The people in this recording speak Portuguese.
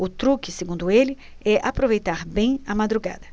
o truque segundo ele é aproveitar bem a madrugada